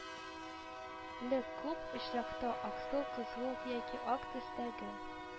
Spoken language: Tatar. Лек күп очракта аксыл-кызгылт яки ак төстәге,